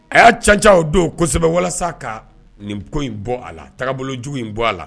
A y'a ca ca o don kosɛbɛ walasa ka nin ko in bɔ a la taabolo bolojugu in bɔ a la